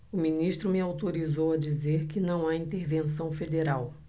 o ministro me autorizou a dizer que não há intervenção federal